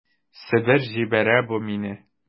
Себер җибәрә бу мине...